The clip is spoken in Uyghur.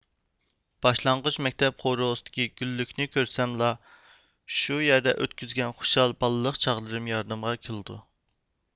باشلانغۇچ مەكتەپ قورۇسىدىكى گۈللۈكنى كۆرسەملا مۇشۇ يەردە ئۆتكۈزگەن خۇشال بالىلىق چاغلىرىم يادىمغا كېلىدۇ